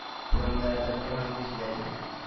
Урында да тәмләп сөйләде